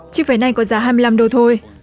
chiếc váy này có giá hai mươi lăm đô thôi